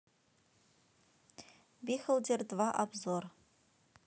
бихолдер два обзор